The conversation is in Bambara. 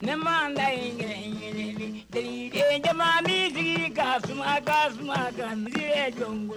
Ne bɛ j mini jigin ka ka ka jɔn